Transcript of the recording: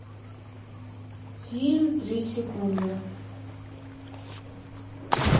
фильм три секунды